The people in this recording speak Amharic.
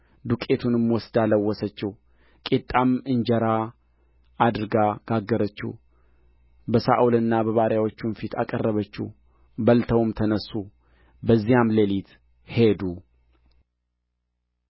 ዱቄቱንም ወስዳ ለወሰችው ቂጣም እንጀራ አድርጋ ጋገረችው በሳኦልና በባሪያዎቹም ፊት አቀረበችው በልተውም ተነሡ በዚያም ሌሊት ሄዱ